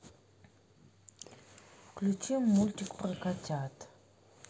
включи мультик про котят